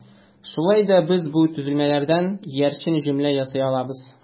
Шулай да без бу төзелмәләрдән иярчен җөмлә ясый алабыз.